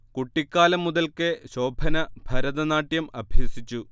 കുട്ടിക്കാലം മുതൽക്കേ ശോഭന ഭരതനാട്യം അഭ്യസിച്ചു